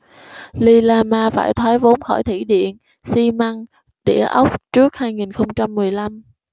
lilama phải thoái vốn khỏi thủy điện xi măng địa ốc trước hai nghìn không trăm mười lăm